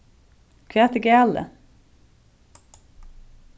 hvat er galið